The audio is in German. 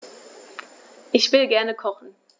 Ich will gerne kochen.